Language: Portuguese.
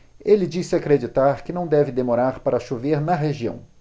ele disse acreditar que não deve demorar para chover na região